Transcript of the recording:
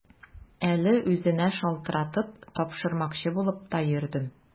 Әле үзенә шалтыратып, тапшырмакчы булып та йөрдем.